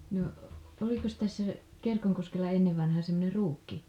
no olikos tässä Kerkonkoskella ennen vanhaan semmoinen ruukki